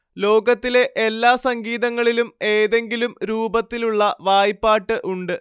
ലോകത്തിലെ എല്ലാ സംഗീതങ്ങളിലും എതെങ്കിലും രൂപത്തിലുള്ള വായ്പ്പാട്ട് ഉണ്ട്